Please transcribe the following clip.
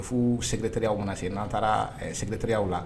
Fu sigilentiriya kunna na se n'an taara segutiriya la